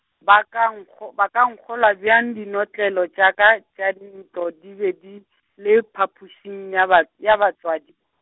ba ka nkgo, ba ka nkgolwa bjang dinotlelo tša ka tša ntlo di be di, le phapošing ya bat-, ya batswadi.